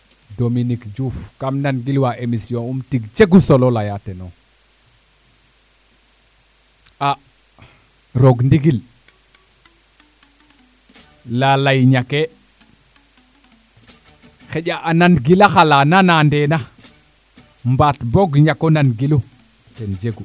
Dominique Diouf kam nan gilwa émission um tig cegu solo leya teen a roog ndingil lalay ñake xaƴa a nan gilaxa la nana ndena mbaat boog ñako nan gilu ten jegu